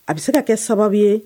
A bɛ se ka kɛ sababu ye